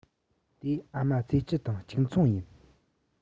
དེ ཨ མ ཚེ སྐྱིད དང གཅིག མཚུངས ཡིན